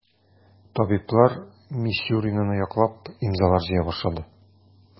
Табиблар Мисюринаны яклап имзалар җыя башлады.